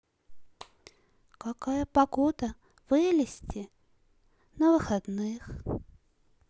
какая погода в элисте на выходных